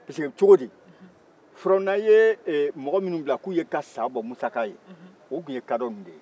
pisike cogodi farawuna ye mɔgɔ minnu bila k'u ka sa bɔ musa ka ye o tun ye kadɔ ninnu de ye